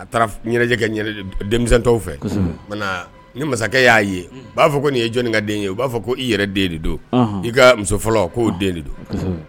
A taara ɲɛnajɛkɛ denmisɛntɔ fɛ ni masakɛ y'a ye u b'a fɔ ko nin ye jɔnni ka den ye u b'a fɔ ko i yɛrɛ den de don i ka muso fɔlɔ'o den de don